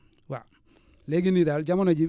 waaw léegi nii daal jamono ji